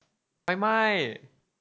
ไฟไหม้